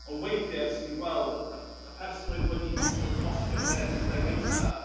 Ond weithiau 'swn i'n gweld y y y person oedd wedi sort of postio'r peth yn y lle cynta.